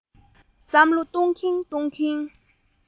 བསམ བློ གཏོང གིན གཏོང གིན